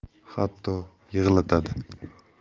hatto yig'latadi